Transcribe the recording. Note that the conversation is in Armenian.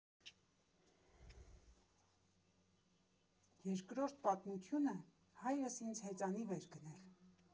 Երկրորդ պատմությունը՝ հայրս ինձ հեծանիվ էր գնել։